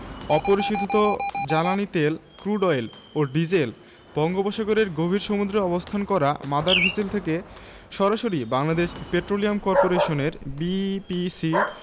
অপরিশোধিত জ্বালানি তেল ক্রুড অয়েল ও ডিজেল বঙ্গোপসাগরের গভীর সমুদ্রে অবস্থান করা মাদার ভেসেল থেকে সরাসরি বাংলাদেশ পেট্রোলিয়াম করপোরেশনের বিপিসি